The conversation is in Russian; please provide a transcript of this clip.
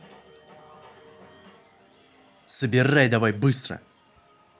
собирай давай быстро